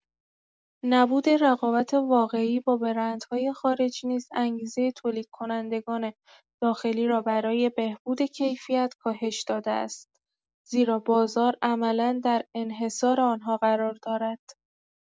نبود رقابت واقعی با برندهای خارجی نیز انگیزه تولیدکنندگان داخلی را برای بهبود کیفیت کاهش داده است، زیرا بازار عملا در انحصار آنها قرار دارد.